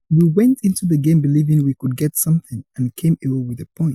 "We went into the game believing we could get something and came away with a point.